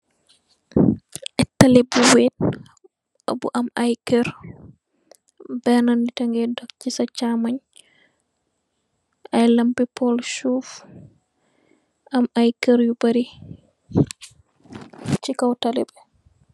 Tali bu wait bu am I Kerr bena nitta ngi doh sey sa chamunj i lampi poll suuf am i Kerr yu bari sey kaw tali bi.